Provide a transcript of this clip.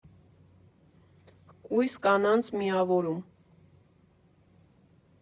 Կույս կանանց միավորում։